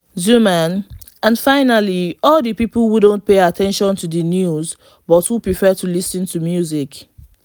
Xuman : And finally, all the people who don't pay attention to the news but who prefer to listen to music.